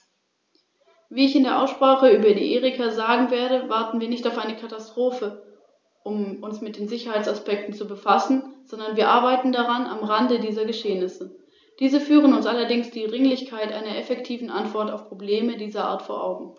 Nach der Tagesordnung folgt der Bericht von Herrn Koch im Namen des Ausschusses für Regionalpolitik, Verkehr und Fremdenverkehr für eine Richtlinie des Europäischen Parlament und des Rates zur Änderung der Richtlinie zur Angleichung der Rechtsvorschriften der Mitgliedstaaten für den Gefahrguttransport auf der Straße.